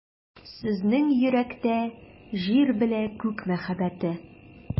Сезнең йөрәктә — Җир белә Күк мәхәббәте.